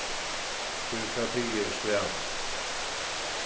bureaukrati er strævið